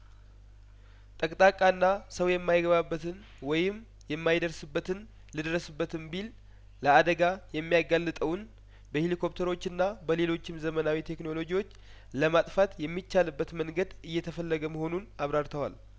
ጠቅጣቃና ሰው የማይገባበትን ወይም የማይደርስበትን ልድረስበትም ቢል ለአደጋ የሚያጋልጠውን በሂሊኮፕተሮችና በሌሎችም ዘመናዊ ቴክኖሎጂዎች ለማጥፋት የሚቻልበት መንገድ እየተፈለገ መሆኑን አብራርተዋል